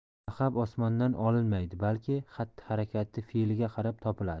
laqab osmondan olinmaydi balki xatti harakati fe'liga qarab topiladi